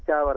Thaiawara